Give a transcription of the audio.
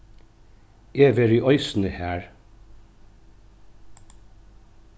eg verði eisini har